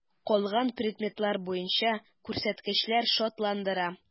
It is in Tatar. Калган предметлар буенча күрсәткечләр шатландыра.